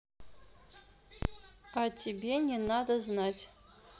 а тебе не надо знать